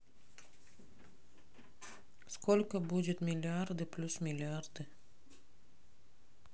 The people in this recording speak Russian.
сколько будет миллиарды плюс миллиарды